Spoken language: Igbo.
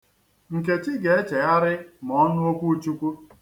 Nkechi ga-echegharị ma ọ nụ Okwu Chukwu.